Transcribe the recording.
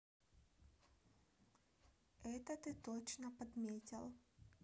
это ты точно подметил